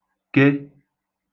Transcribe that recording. ke